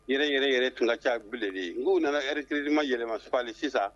Yɛrɛ yɛrɛ yɛrɛ tun ca bilenli n' nana sr ma yɛlɛɛlɛmasafali sisan